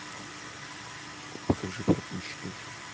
покажи пропущенный